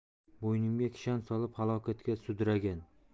bo'ynimga kishan solib halokatga sudragan